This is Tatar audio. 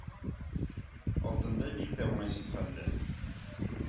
Алдында бик тә уңайсыз хәлдә